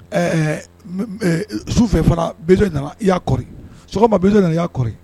Ɛɛ sufɛ fana bilisi nana i y'aɔri ma bilisise nana i y'aɔri